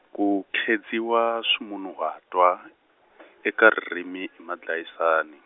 ku khedziwa swimunhuhatwa , eka ririmi i madlayisani.